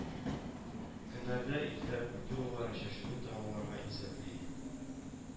Көннәрдә иртә культуралар чәчүне тәмамларга исәпли